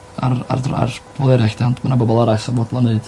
ar ar drad pobol eryll 'de ond ma' 'na bobol eraill yn bodlon neud.